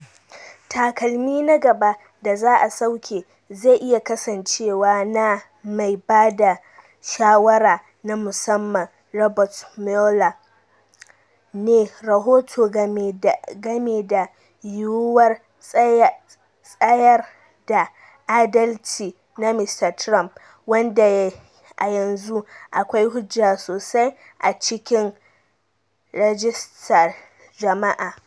Takalmi na gaba da za a sauke zai iya kasancewa na mai bada shawara na musamman Robert Mueller ne rahoto game da yiwuwar tsayar da adalci na Mr. Trump, wanda a yanzu akwai hujja sosai a cikin rajistar jama'a.